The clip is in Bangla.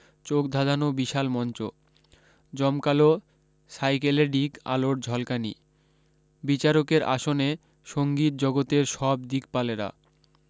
চোখ ধাঁধানো বিশাল মঞ্চ জমকালো সাইকেডেলিক আলোর ঝলকানি বিচারকের আসনে সঙ্গীত জগতের সব দিকপালেরা